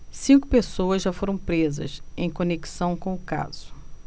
cinco pessoas já foram presas em conexão com o caso